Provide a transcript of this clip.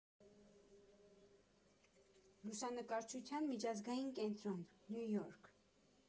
Լուսանկարչության միջազգային կենտրոն, Նյու Յորք։